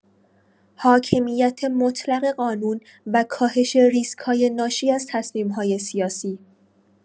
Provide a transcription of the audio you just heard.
حاکمیت مطلق قانون و کاهش ریسک‌های ناشی از تصمیم‌های سیاسی